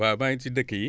waaw maa ngi ci dëkk yi